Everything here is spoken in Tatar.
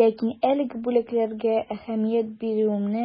Ләкин әлеге бүләкләргә әһәмият бирүемне